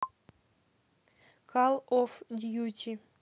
кал оф дьюти